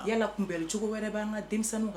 Yala tun bɛ cogo wɛrɛ b'an ka denmisɛnnin